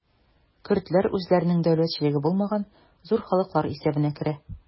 Көрдләр үзләренең дәүләтчелеге булмаган зур халыклар исәбенә керә.